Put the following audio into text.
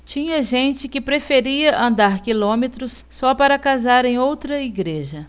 tinha gente que preferia andar quilômetros só para casar em outra igreja